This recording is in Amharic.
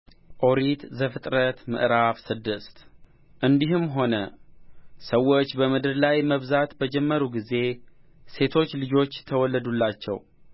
ኦሪት ዘፍጥረት ምዕራፍ ስድስት እንዲህም ሆነ ሰዎች በምድር ላይ መብዛት በጀመሩ ጊዜ ሴቶች ልጆች ተወለዱላቸው